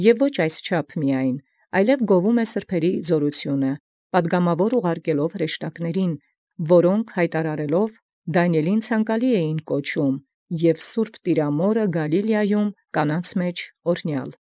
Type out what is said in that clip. Եւ ոչ այսչափ միայն, այլ և հոգեկան ազգին հրեշտակութեամբ՝ գովեալ զսրբոցն զաւրութիւն, որ զԴանիէլ ցանկալի քարոզելովն կոչէին. և զսուրբ Տիրամայրն ի Գալիլեայ՝ աւրհնեալ ի կանայս։